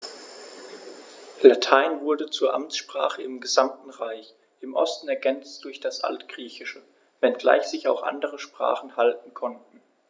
Latein wurde zur Amtssprache im gesamten Reich (im Osten ergänzt durch das Altgriechische), wenngleich sich auch andere Sprachen halten konnten.